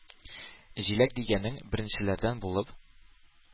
Җиләк дигәнең беренчеләрдән булып